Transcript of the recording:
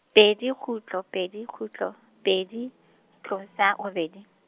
pedi kgutlo pedi kgutlo, pedi, tlosa robedi.